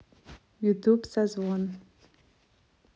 ютуб созвон